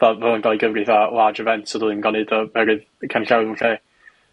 fel large events odd o ddim ga'l 'i neud o 'erwydd canllawie yn lle.